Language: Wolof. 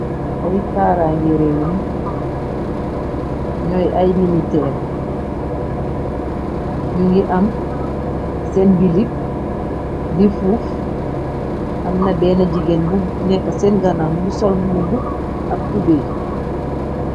ay kaara ngi réewu ni ñooy ay militeer ñu ngi am seen bilipp di fuuf am na benn jigéen bu nekka seen ganaam ngi solm bubu ak tubé yi